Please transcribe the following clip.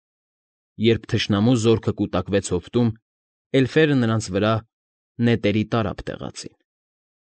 Երբ թշնամու զորքը կուտկակվեց հովտում, էլֆերը նրանց վրա նետերի տարափ տեղացին։